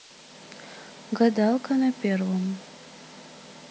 гадалка на первом